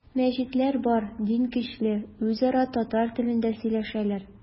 Мәчетләр бар, дин көчле, үзара татар телендә сөйләшәләр.